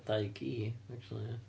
Dau gi, acshyli, ia.